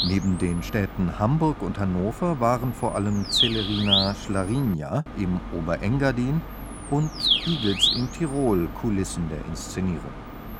Neben den Städten Hamburg und Hannover waren vor allem Celerina/Schlarigna im Oberengadin und Igls in Tirol Kulissen der Inszenierung.